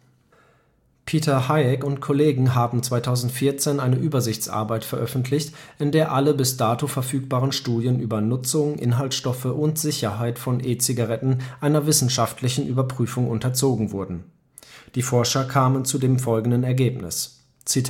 Peter Hajek und Kollegen haben 2014 eine Übersichtsarbeit veröffentlicht, in der alle bis dato verfügbaren Studien über Nutzung, Inhaltsstoffe und Sicherheit von E-Zigaretten einer wissenschaftlichen Überprüfung unterzogen wurden. Die Forscher kamen zu folgendem Ergebnis: “EC